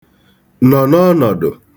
nọ̀ n'ọnọ̀dụ̀